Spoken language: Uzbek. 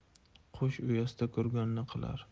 qush uyasida ko'rganini qilar